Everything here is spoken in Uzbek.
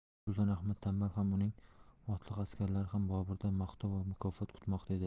sulton ahmad tanbal ham uning otliq askarlari ham boburdan maqtov va mukofot kutmoqda edilar